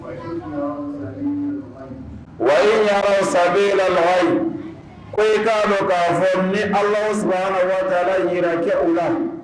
Wa ye ɲa saba la ko in' k'a fɔ ni ala su ka taa jira u la